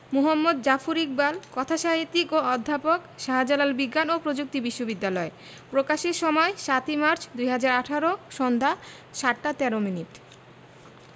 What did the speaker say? মুহাম্মদ জাফর ইকবাল কথাসাহিত্যিক ও অধ্যাপক শাহজালাল বিজ্ঞান ও প্রযুক্তি বিশ্ববিদ্যালয় প্রকাশের সময় ০৭মার্চ ২০১৮ সন্ধ্যা ৭টা ১৩ মিনিট